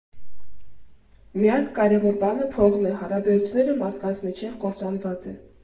Միակ կարևոր բանը փողն է, հարաբերությունները մարդկանց միջև կործանված են։